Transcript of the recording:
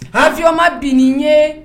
An yoma bi ye